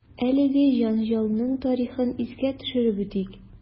Әлеге җәнҗалның тарихын искә төшереп үтик.